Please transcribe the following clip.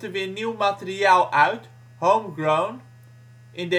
weer nieuw materiaal uit, Homegrown; in